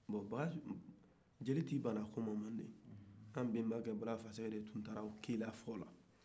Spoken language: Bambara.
bon jeli tɛ ban ko ma mande an bɛnbakɛ balafasɛgɛ de tun taara o ci lase la